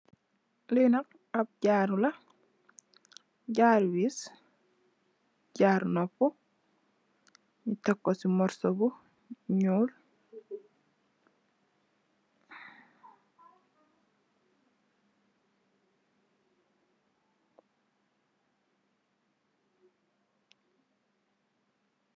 Lee nak ab jaaru la jaaru wees jaaru nopu nu teku se mursu bu nuul.